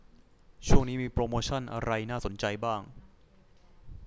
ช่วงนี้มีโปรโมชั่นอะไรน่าสนใจบ้าง